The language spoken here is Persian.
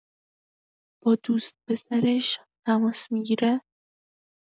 با دوست‌پسرش تماس می‌گیره؟